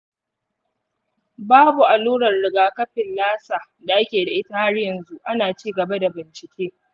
babu allurar rigakafin lassa da ake da ita har yanzu. ana ci gaba da bincike.